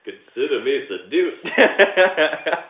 consider me seduced